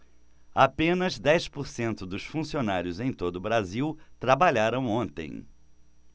apenas dez por cento dos funcionários em todo brasil trabalharam ontem